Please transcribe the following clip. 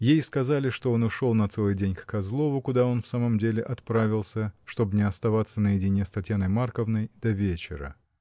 Ей сказали, что он ушел на целый день к Козлову, куда он в самом деле отправился, чтоб не оставаться наедине с Татьяной Марковной до вечера.